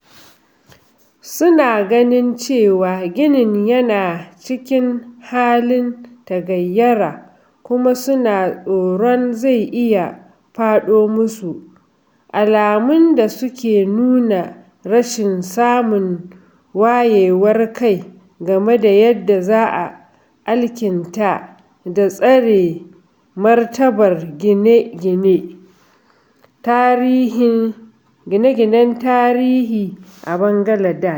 Suna ganin cewa ginin yana cikin halin tagayyara kuma suna tsoron zai iya faɗo musu - alamun da suke nuna rashin samun wayewar kai game da yadda za a alkinta da tsare martabar gine-ginen tarihi a Bangaladesh.